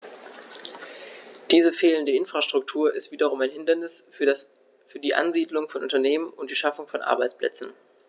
Diese fehlende Infrastruktur ist wiederum ein Hindernis für die Ansiedlung von Unternehmen und die Schaffung von Arbeitsplätzen.